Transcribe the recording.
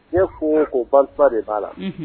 Ne ko ko kalifa de b'a la